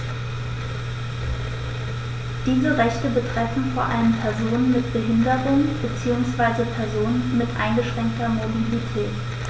Diese Rechte betreffen vor allem Personen mit Behinderung beziehungsweise Personen mit eingeschränkter Mobilität.